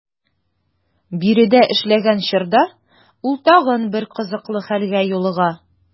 Биредә эшләгән чорда ул тагын бер кызыклы хәлгә юлыга.